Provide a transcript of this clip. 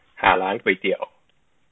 หาร้านก๋วยเตี๋ยว